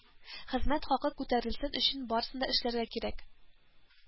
Хезмәт хакы күтәрелсен өчен барысын да эшләргә кирәк